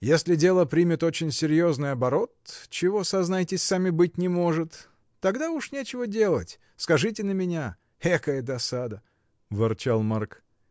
Если дело примет очень серьезный оборот, чего, сознайтесь сами, быть не может, тогда уж нечего делать — скажите на меня. Экая досада! — ворчал Марк.